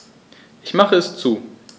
Ich mache es zu.